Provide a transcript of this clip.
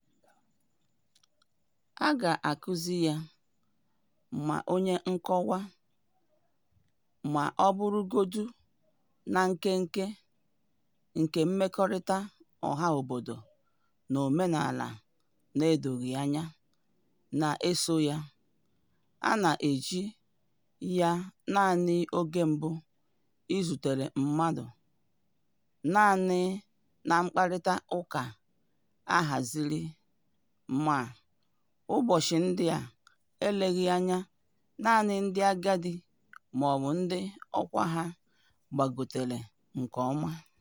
A ga-akụzị ya ma nye nkọwa, maọbụrụgodu na nkenke, nke mmekọrịta ọhaobodo na omenala n'edoghi anya na-eso ya, a na-eji ya naanị oge mbụ ị zutere mmadụ, naanị na mkparịtaụka a hazịrị ma, ụbọchị ndị a, eleghị anya naanị ndị agadi maọbụ ndị ọkwa ha gbagotere nke ọma.